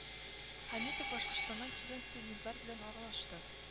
Хәмитов башкортстаннан кигән стдуентлар белән аралашты